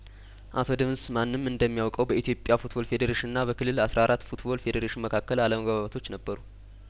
አቶ ደምስ ማንም እንደሚያውቀው በኢትዮጵያ ፉትቦል ፌዴሬሽንና በክልል አስራ አራት ፉትቦል ፌዴሬሽን መካከል አለመግባባቶች ነበሩ